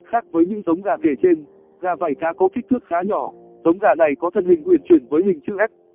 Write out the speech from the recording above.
khác với những giống gà kể trên gà vảy cá có kích thước khá nhỏ giống gà này có thân hình uyển chuyển với hình chữ s